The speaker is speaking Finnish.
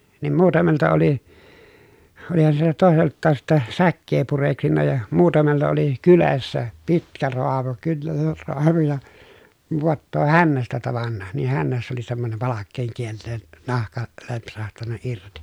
niin muutamalta oli olihan siltä toiseltakin sitten säkää pureksinut ja muutamalla oli kyljessä pitkä raamu kynnen raamu ja vaattoo hännästä tavannut niin hännässä oli semmoinen palkeen kielen nahka lempsahtanut irti